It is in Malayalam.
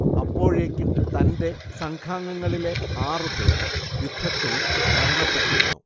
അപ്പോഴേക്കും തന്റെ സംഘാംങ്ങളിലെ ആറു പേർ യുദ്ധത്തിൽ മരണപ്പെട്ടിരുന്നു